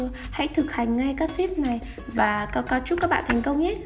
còn nếu chưa hãy thực hành ngay các tips này và cao cao chúc các bạn thành công nhé